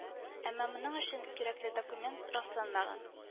Әмма моның өчен кирәкле документ расланмаган